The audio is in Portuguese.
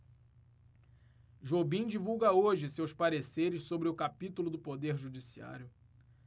jobim divulga hoje seus pareceres sobre o capítulo do poder judiciário